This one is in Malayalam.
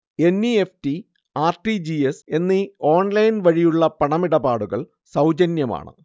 N. E. F. T, R. T. G. S എന്നീ ഓൺലൈൻ വഴിയുള്ള പണമിടപാടുകൾ സൗജന്യമാണ്